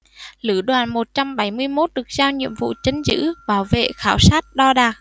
lữ đoàn một trăm bảy mươi mốt được giao nhiệm vụ trấn giữ bảo vệ khảo sát đo đạc